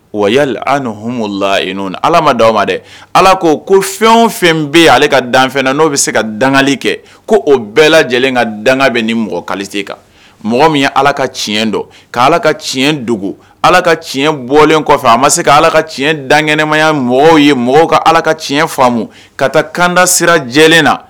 Wa yala hali ni layi ala ma di aw ma dɛ ala ko ko fɛn o fɛn bɛ ale ka dan na n'o bɛ se ka dangali kɛ ko o bɛɛ lajɛlen ka danga bɛ ni mɔgɔ kalise kan mɔgɔ min ye ala ka tiɲɛ dɔn ka ala ka tiɲɛdugu ala ka tiɲɛ bɔlen kɔfɛ a ma se ka ala ka tiɲɛ dan kɛnɛmaya mɔgɔw ye mɔgɔ ka ala ka tiɲɛ faamumu ka taa kanda sira jɛ na